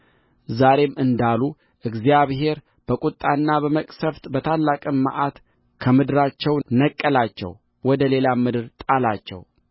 ዛሬም እንዳሉ እግዚአብሔር በቍጣና በመቅሠፍት በታላቅም መዓት ከምድራቸው ነቀላቸው ወደ ሌላም ምድር ጣላቸው